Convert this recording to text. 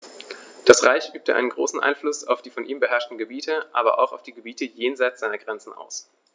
Das Reich übte einen großen Einfluss auf die von ihm beherrschten Gebiete, aber auch auf die Gebiete jenseits seiner Grenzen aus.